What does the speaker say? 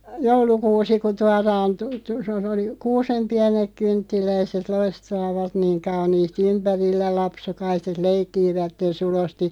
joulukuusi kun tuodaan ---- se oli kuusen pienet kynttiläiset loistavat niin kauniisti ympärillä lapsukaiset leikkivät sulosti